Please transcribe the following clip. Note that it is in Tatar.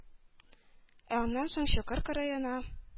Ә аннан соң чокыр кырыена